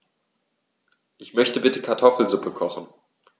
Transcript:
Ich möchte bitte Kartoffelsuppe kochen.